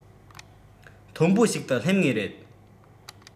མཐོན པོ ཞིག ཏུ སླེབས ངེས རེད